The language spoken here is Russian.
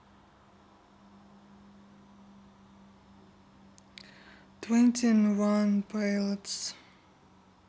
твенти уан пайлотс